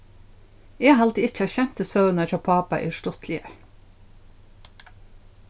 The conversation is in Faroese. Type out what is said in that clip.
eg haldi ikki at skemtisøgurnar hjá pápa eru stuttligar